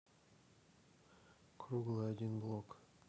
круглый один блок